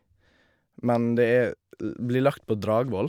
Men det er l blir lagt på Dragvoll.